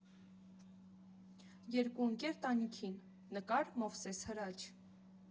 Երկու ընկեր տանիքին (նկար՝Մովսես֊Հրաչ)